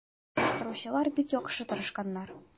Оештыручылар бик яхшы тырышканнар.